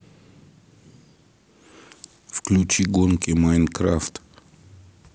включи гонки майнкрафт